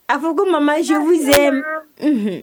A ko ko maman je vous aime